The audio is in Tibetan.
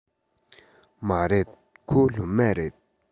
མ རེད ཁོ སློབ མ རེད